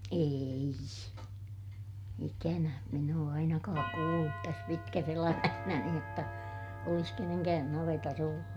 ei ikänä minä ole ainakaan kuullut tässä pitkässä elämässäni jotta olisi kenenkään navetassa ollut